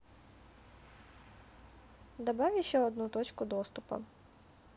добавить еще одну точку доступа